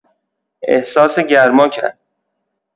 احساس گرما کرد.